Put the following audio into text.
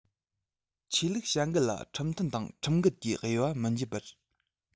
ཆོས ལུགས བྱ འགུལ ལ ཁྲིམས མཐུན དང ཁྲིམས འགལ གྱི དབྱེ བ མི འབྱེད པར